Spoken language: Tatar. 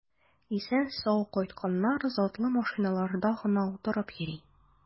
Исән-сау кайтканнар затлы машиналарда гына утырып йөри.